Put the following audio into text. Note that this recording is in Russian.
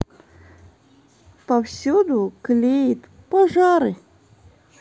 повсюду клеит пожары